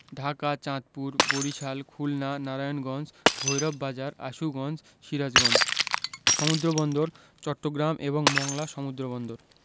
ঢাকা চাঁদপুর বরিশাল খুলনা নারায়ণগঞ্জ ভৈরব বাজার আশুগঞ্জ সিরাজগঞ্জ সমুদ্রবন্দরঃ চট্টগ্রাম এবং মংলা সমুদ্রবন্দর